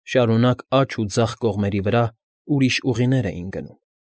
Շարունակ աջ ու ձախ կողմերի վրա ուրիշ ուղիներ էին գնում։